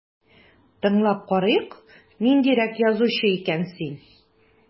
Тыңлап карыйк, ниндирәк язучы икән син...